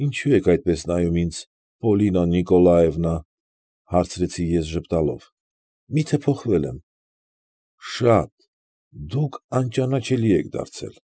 Ինչո՞ւ եք այդպես նայում ինձ, Պոլինա Նիկոլաևնա, ֊ հարցրի ես ժպտալով։ ֊ Մի՞թե փոխվել եմ։ ֊ Շատ, դուք անճանաչելի եք դարձել։